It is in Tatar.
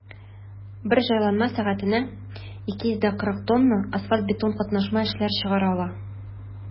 Бер җайланма сәгатенә 240 тонна асфальт–бетон катнашма эшләп чыгара ала.